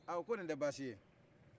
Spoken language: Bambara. a ko nin te baasi ye